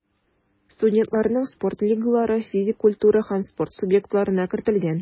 Студентларның спорт лигалары физик культура һәм спорт субъектларына кертелгән.